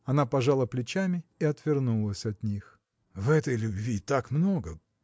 Она пожала плечами и отвернулась от них. – В этой любви так много.